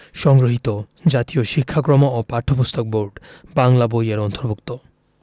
সংগৃহীত জাতীয় শিক্ষাক্রম ও পাঠ্যপুস্তক বোর্ড বাংলা বই এর অন্তর্ভুক্ত